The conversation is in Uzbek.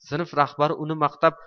sinf rahbari uni maqtab